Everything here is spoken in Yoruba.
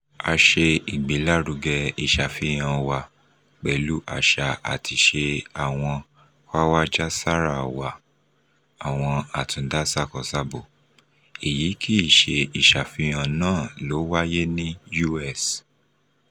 A ṣe ìgbélarúgẹ ìṣàfihàn wa pẹ̀lú àṣà àti ìṣẹ àwọn KhawajaSara wa (àwọn Àtúndásákosábo), èyí kì í ṣe ìṣàfihàn náà ló wáyé ní US.